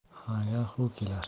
haga hu kelar